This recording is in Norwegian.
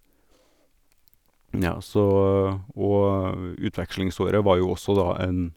Nja, så og utvekslingsåret var jo også da en...